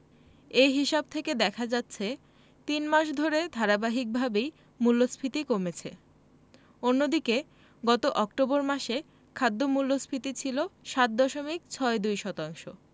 এ হিসাব থেকে দেখা যাচ্ছে তিন মাস ধরে ধারাবাহিকভাবেই মূল্যস্ফীতি কমেছে অন্যদিকে গত অক্টোবর মাসে খাদ্য মূল্যস্ফীতি ছিল ৭ দশমিক ৬২ শতাংশ